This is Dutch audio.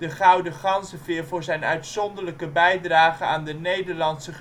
Gouden Ganzenveer voor zijn uitzonderlijke bijdrage aan de Nederlandse